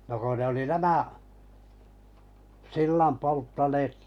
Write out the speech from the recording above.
no kun ne oli nämä sillan polttaneet